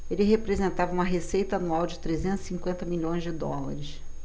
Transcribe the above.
ele representava uma receita anual de trezentos e cinquenta milhões de dólares